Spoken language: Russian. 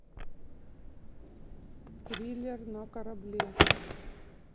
триллер на корабле